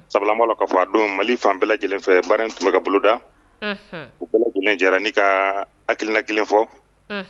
Sabula an b'a la k'a fɔ a don Mali fan bɛɛ lajɛlen fɛ baara tun bɛ ka boloda , unhun, u bɛɛ lajɛlen jɛ la ni ka hakilina kelen fɔ